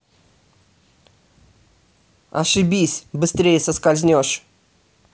ошибись быстрее соскальзнешь